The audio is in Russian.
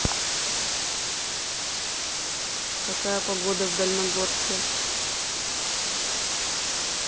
какая погода в дальногорске